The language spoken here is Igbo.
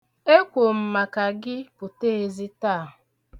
Ekwo m maka gị pụta ezi taa.